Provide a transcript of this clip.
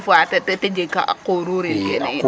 Dés :fois fois ta jeg a quruur rin kene yiin?